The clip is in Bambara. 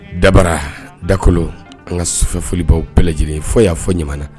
Dabara Dakolo an ka sufɛ folibaw bɛɛ lajɛlen fo yan fɔ ɲamana.